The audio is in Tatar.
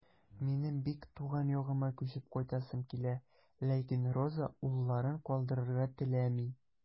Минем бик туган ягыма күчеп кайтасым килә, ләкин Роза улларын калдырырга теләми.